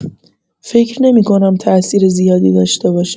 فکر نمی‌کنم تاثیر زیادی داشته باشه.